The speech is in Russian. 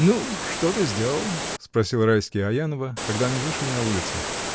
— Ну, что ты сделал? — спросил Райский Аянова, когда они вышли на улицу.